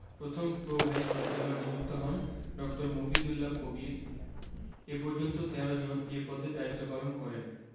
প্রথম pro vice chancellor নিযুক্ত হন ড. মফিজুল্লাহ কবির এ পর্যন্ত ১৩ জন এ পদে দায়িত্বপালন করেন